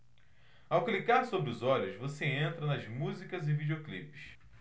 ao clicar sobre os olhos você entra nas músicas e videoclipes